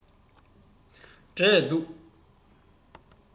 འབྲས འདུག